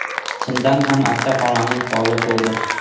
chindan ham acha xolaning foli to'g'ri chiqdi